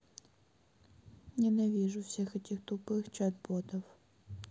ненавижу всех этих тупых чат ботов